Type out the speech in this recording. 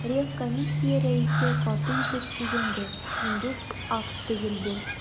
Ревкомиссия рәисе каты итеп сүгенде, шундук акт төзеде.